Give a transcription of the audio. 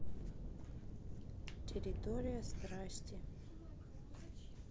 территория страсти